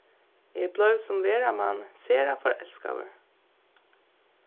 eg bleiv sum vera man sera forelskaður